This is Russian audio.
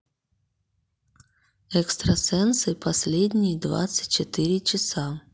экстрасенсы последние двадцать четыре часа